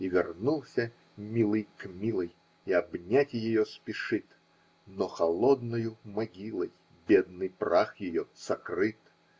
И вернулся милый к милой, И обнять ее спешит, Но холодною могилой Бедный прах ее сокрыт.